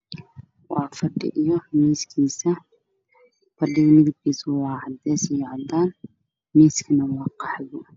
Waa fadhi io miis fadiga midabkis waa cades io cadan miiskan waa qaxwi